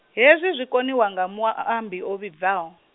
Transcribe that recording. hezwi zwi koniwa nga mua- -ambi o vhibvaho.